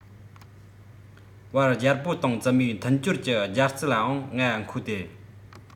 བར རྒྱལ པོ དང བཙུན མོའི མཐུན སྦྱོར གྱི སྦྱར རྩི ལའང ང མཁོ སྟེ